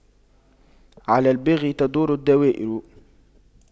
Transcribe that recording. على الباغي تدور الدوائر